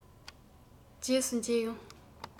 རྗེས སུ མཇལ ཡོང